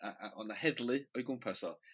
A a o' 'na heddlu o'i gwmpas o.